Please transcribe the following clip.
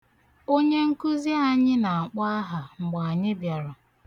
Onyenkụzi anyị na-akpọ aha mgbe anyị bịara.